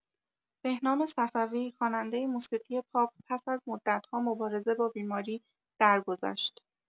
بهنام صفوی خواننده موسیقی پاپ پس از مدت‌ها مبارزه با بیماری، درگذشت.